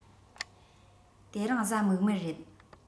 དེ རིང གཟའ མིག དམར རེད